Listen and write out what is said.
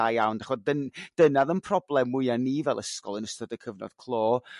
da iawn. D'ch'od dyn- dyna 'dd 'yn problem mwya ni fel ysgol yn ystod y cyfnod clo.